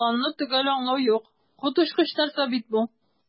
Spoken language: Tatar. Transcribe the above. "планны төгәл аңлау юк, коточкыч нәрсә бит бу!"